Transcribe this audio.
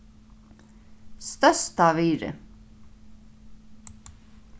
størstavirði